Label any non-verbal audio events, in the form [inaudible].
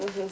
[hesitation] [hesitation]